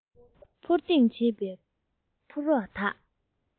འཕུར ལྡིང བྱེད བའི ཕོ རོག དག